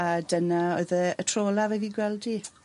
A dyna oedd y y tro olaf i fi gweld hi.